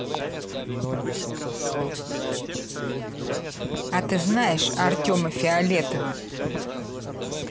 а ты знаешь артема фиолетово